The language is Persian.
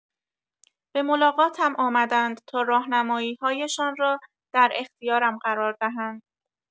به ملاقاتم آمدند تا راهنمایی‌هایشان را در اختیارم قرار دهند.